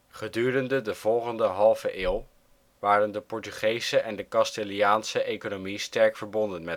Gedurende de volgende halve eeuw waren de Portugese en de Castiliaanse economie sterk verbonden